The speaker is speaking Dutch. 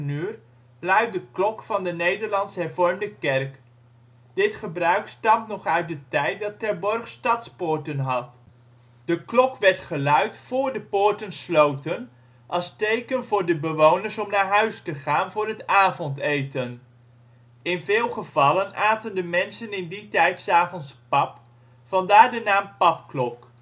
uur luidt de klok van de Nederlandse Hervormde Kerk. Dit gebruik stamt nog uit de tijd dat Terborg stadspoorten had. De klok werd geluid voor de poorten sloten, als teken voor de bewoners om naar huis te gaan voor het avondeten. In veel gevallen aten de mensen in die tijd ' s avonds pap, vandaar de naam papklok